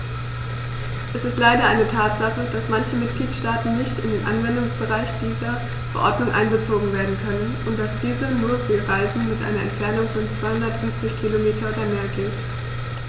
Es ist leider eine Tatsache, dass manche Mitgliedstaaten nicht in den Anwendungsbereich dieser Verordnung einbezogen werden können und dass diese nur für Reisen mit einer Entfernung von 250 km oder mehr gilt.